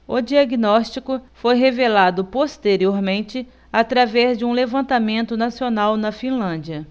o diagnóstico foi revelado posteriormente através de um levantamento nacional na finlândia